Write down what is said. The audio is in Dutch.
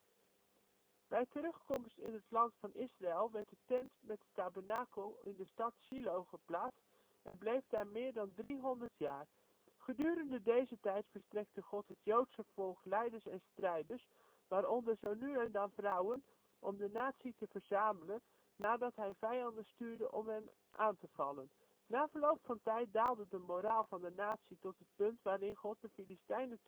terugkomst in het Land van Israël, werd de tent met de tabernakel in de stad van Sjilo geplaatst en bleef daar meer dan 300 jaar. Gedurende deze tijd verstrekte God het joodse volk leiders en strijders, waaronder zo nu en dan vrouwen, om de natie te verzamelen nadat hij vijanden stuurde om hen aan te vallen. Na verloop van tijd daalde de moraal van de natie tot het punt waarin God de Filistijnen